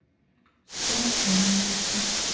саки новости